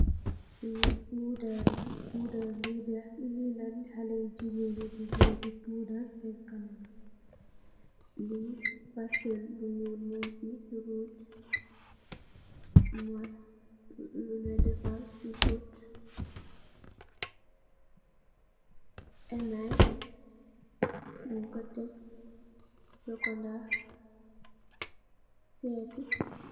Lii pudar la, pudar bi lii la xalee jigéen yi di jël di pudar seen kanam yi. Lii postel bu ñuul, ruge, lu ñoo defar si bët, emaay, ñung ko tek si lu sokolaa, séétu.